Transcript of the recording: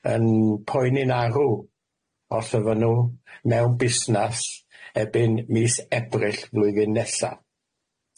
yn poeni'n arw os yfyn nw mewn busnas erbyn mis Ebrill flwyddyn nesa.